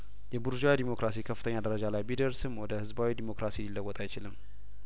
የቡርዧ ዴሞክራሲ ከፍተኛ ደረጃ ላይ ቢደርስም ወደ ህዝባዊ ዴሞክራሲ ሊለወጥ አይችልም